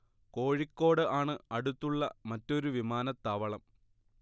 കോഴിക്കോട് ആണ് അടുത്തുള്ള മറ്റൊരു വിമാനത്താവളം